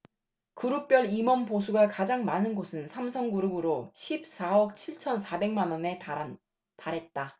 그룹별 임원 보수가 가장 많은 곳은 삼성그룹으로 십 사 억 칠 천 사백 만원에 달했다